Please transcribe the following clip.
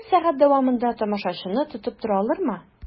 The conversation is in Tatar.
Ике сәгать дәвамында тамашачыны тотып тора алырмы?